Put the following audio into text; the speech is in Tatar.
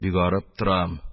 - бик арып тора